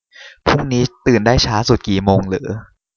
พรุ่งนี้ตื่นได้ช้าสุดกี่โมงเหรอ